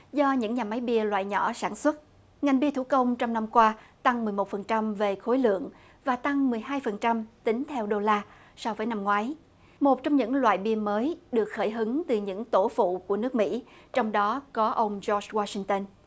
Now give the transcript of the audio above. do những nhà máy bia loại nhỏ sản xuất ngành nghề thủ công trong năm qua tăng mười một phần trăm về khối lượng và tăng mười hai phần trăm tính theo đô la so với năm ngoái một trong những loại bia mới được khởi hứng từ những tổ phụ của nước mỹ trong đó có ông do goa sinh tơn